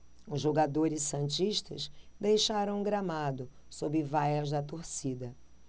os jogadores santistas deixaram o gramado sob vaias da torcida